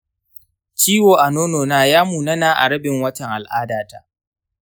ciwo a nonona ya munana a rabin watan al'ada ta.